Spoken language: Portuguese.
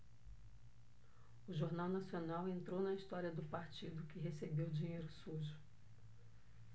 o jornal nacional entrou na história do partido que recebeu dinheiro sujo